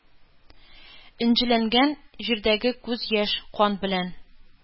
Энҗеләнгән җирдәге күз яшь, кан белән!